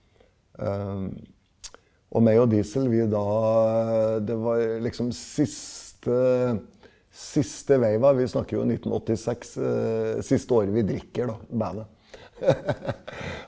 og meg og Diesel vi da det var liksom siste siste vi snakker jo 1986 siste året vi drikker da bandet.